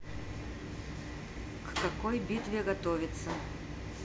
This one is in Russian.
к какой битве готовиться